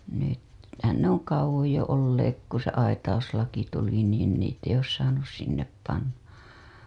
- nythän ne on kauan jo olleet kun se aitauslaki tuli niin niitä ei ole saanut sinne panna